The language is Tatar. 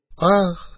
Аһ!